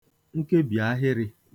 nkebìahịrị̄